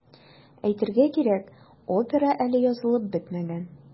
Әйтергә кирәк, опера әле язылып бетмәгән.